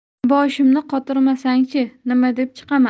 boshimni qotirmasangchi nima deb chiqaman